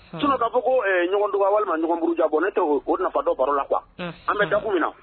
Tdabugu ɲɔgɔn dug walima ɲɔgɔnuru jan bɔn ne tɛ oo nafatɔ baro la qu an bɛ da in na